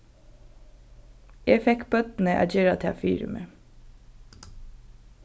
eg fekk børnini at gera tað fyri meg